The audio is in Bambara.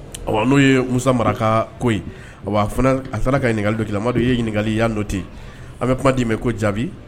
Ɔ n'o ye musa maraka ko ye a fana a sara ka ɲininkakali dondu ye ɲininkakali yan dɔ ten an bɛ kuma d'i mɛn ko jaabi